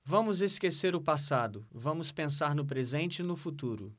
vamos esquecer o passado vamos pensar no presente e no futuro